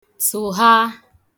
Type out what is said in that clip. tụ̀gha